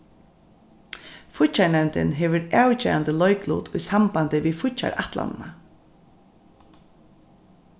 fíggjarnevndin hevur avgerandi leiklut í sambandi við fíggjarætlanina